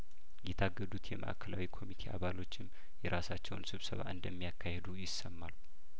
የታገዱት የማእከላዊ ኮሚቴ አባሎችም የራሳቸውን ስብሰባ እንደሚያካሂዱ ይሰማል